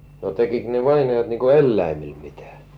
no tekikö ne vainajat niin kuin eläimille mitä